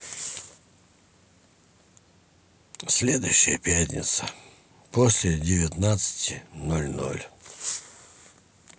следующая пятница после девятнадцати ноль ноль